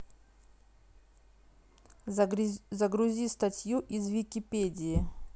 загрузи статью из википедии